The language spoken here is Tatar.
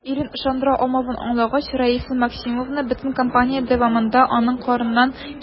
Ирен ышандыра алмавын аңлагач, Раиса Максимовна бөтен кампания дәвамында аның кырыннан китмәде.